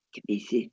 Cyfieithu.